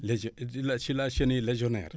légion ci la ci la chenille légionaire